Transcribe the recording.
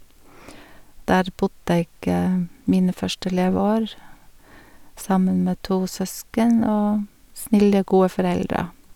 Der bodde jeg mine første leveår sammen med to søsken og snille, gode foreldre.